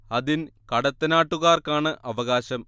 അതിൻ കടത്തനാട്ടുകാർക്കാണ് അവകാശം